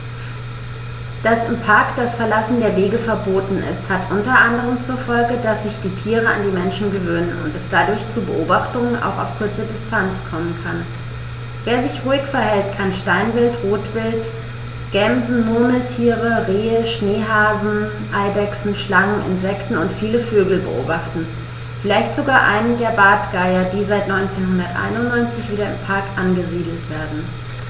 Dass im Park das Verlassen der Wege verboten ist, hat unter anderem zur Folge, dass sich die Tiere an die Menschen gewöhnen und es dadurch zu Beobachtungen auch auf kurze Distanz kommen kann. Wer sich ruhig verhält, kann Steinwild, Rotwild, Gämsen, Murmeltiere, Rehe, Schneehasen, Eidechsen, Schlangen, Insekten und viele Vögel beobachten, vielleicht sogar einen der Bartgeier, die seit 1991 wieder im Park angesiedelt werden.